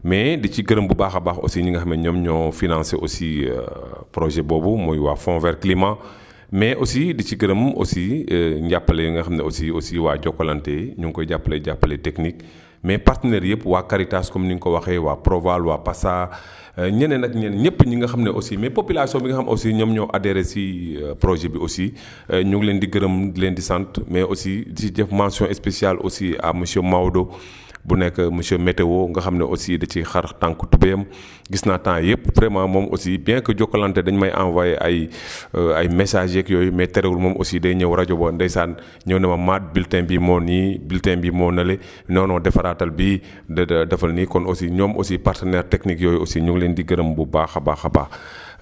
mais di ci gërëm bu baax a baax aussi ñi nga xam ne ñoom ñoo financer aussi projet boobu muy waa Fond vert climat mais aussi di ci gërëm aussi njàppale yi nga xam ne aussi waa Jokalante ñu ngi koy jàppale jàppale technique mais partenaires yépp waa Caritas comme ni nga ko waxee waa Proval waa Paza ñeneen ak ñeneen ñépp ñi nga xam ne aussi mais population bi nga xam aussi ñoom ñoo adheré si projet bi aussi ñu ngi leen di gërëm di leen di sant mais aussi di def mention spéciale aussi à monsieur Maodo bu nekk monsieur météo nga xam ne aussi da ciy xar tànku tubéyam gis naa temps yépp vraiment moom aussi bien que Jokalante dañ may envoyé ay ay messages yeeg yooyu mais terewul moom aussi day ñëw rajo ba ndeysaan ñëw ne ma Mate bulletion bii moo nii bulletin bii moo nële non non defaraatal bii déet defal nii kon aussi ñoom aussi partenaire technique yooyu aussi ñoo ngi leen di gërëm bu baax a baax a baax